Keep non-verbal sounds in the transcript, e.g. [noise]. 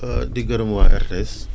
[hesitation] di gërëm waa RTS